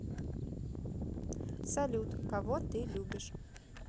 салют кого ты любишь